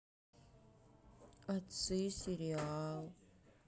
отцы сериал